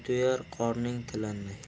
to'yar qorning tilanmay